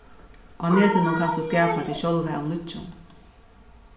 á netinum kanst tú skapa teg sjálva av nýggjum